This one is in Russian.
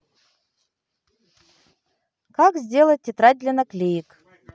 как сделать тетрадь для наклеек